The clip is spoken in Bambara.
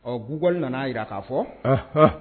Ɔ google nana a jira k'a fɔ